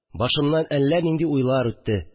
Башымнан әллә нинди уйлар үтте